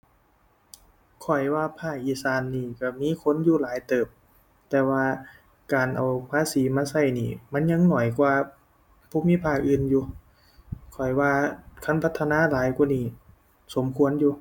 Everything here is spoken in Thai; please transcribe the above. ข้อยว่าภาคอีสานนี้ก็มีคนอยู่หลายเติบ แต่ว่าการเอาภาษีมาก็นี้ มันยังน้อยกว่าภูมิภาคอื่นอยู่ ข้อยว่าคันพัฒนาหลายกว่านี้ สมควรอยู่